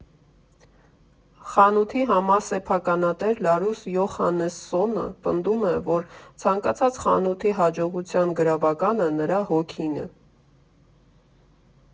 Խանութի համասեփականատեր Լարուս Յոհաննեսսոնը պնդում է, որ ցանկացած խանութի հաջողության գրավականը նրա «հոգին» է։